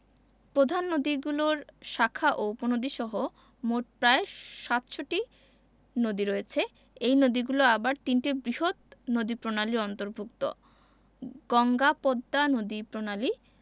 প্রধান নদীগুলোর শাখা ও উপনদীসহ মোট প্রায় ৭০০ নদী রয়েছে এই নদীগুলো আবার তিনটি বৃহৎ নদীপ্রণালীর অন্তর্ভুক্ত গঙ্গা পদ্মা নদীপ্রণালী